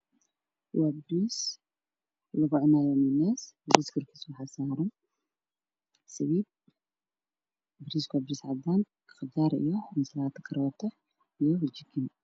Waa miis oo lagu cunayo bariis miiska korkiisu xasaran saliid biyo la habeeyo iyo cunto kale oo ku diyaarsan miiska